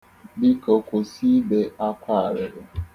Biko, kwụsi ibe akwa arịrị.